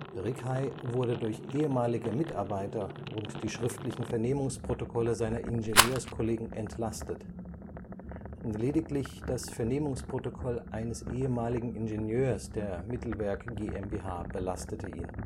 Rickhey wurde durch ehemalige Mitarbeiter und die schriftlichen Vernehmungsprotokolle seiner Ingenieurskollegen entlastet, lediglich das Vernehmungsprotokoll eines ehemaligen Ingenieurs der Mittelwerk GmbH belastete ihn